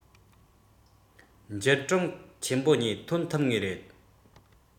དོན ཅི ཞིག ཐོན ཐུབ ངེས ཡིན